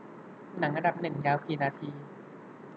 หนังอันดับหนึ่งยาวกี่นาที